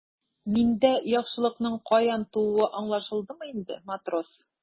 Миндә яхшылыкның каян тууы аңлашылдымы инде, матрос?